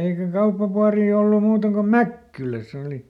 eikä kauppapuotia ollut muualla kuin Mäkkylässä oli